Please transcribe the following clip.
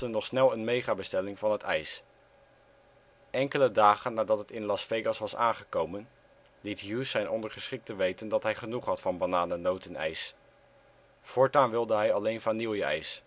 nog snel een megabestelling van het ijs. Enkele dagen nadat het in Las Vegas was aangekomen, liet Hughes zijn ondergeschikten weten dat hij genoeg had van bananen-notenijs. Voortaan wilde hij alleen vanille-ijs